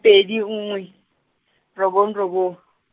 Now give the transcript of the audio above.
pedi nngwe, robong robong .